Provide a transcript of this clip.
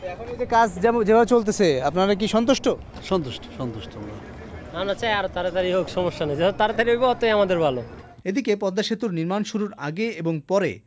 এখন এই যে কাজ যেভাবে চলতেছে আপনারা কি সন্তুষ্ট সন্তুষ্ট সন্তুষ্ট আমরা আমরা চাই আরো তাড়াতাড়ি হোক সমস্যা নেই যত তাড়াতাড়ি হবে ততই আমাদের ভালো এদিকে পদ্মা সেতু নির্মাণ শুরুর আগে এবং পরে